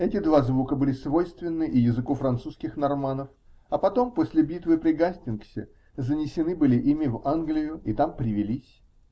Эти два звука были свойственны и языку французских норманнов, а потом, после битвы при Гастингсе, занесены были ими в Англию и там привились.